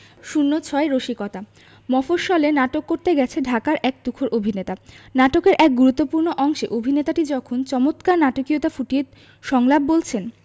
০৬ রসিকতা মফশ্বলে নাটক করতে গেছে ঢাকার এক তুখোর অভিনেতা নাটকের এক গুরুত্তপূ্র্ণ অংশে অভিনেতাটি যখন চমৎকার নাটকীয়তা ফুটিয়ে সংলাপ বলছেন